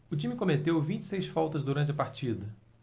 o time cometeu vinte e seis faltas durante a partida